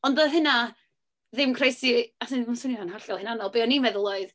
Ond doedd hynna ddim croesi... as in mae'n swnio'n hollol hunanol, be o'n i'n meddwl oedd...